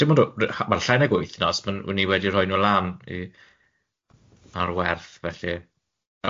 Dim ond w- ry- wel llai nag wythnos, pan o'n i wedi rhoi nw lan i ar werth felly.